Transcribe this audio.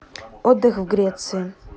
отдых в греции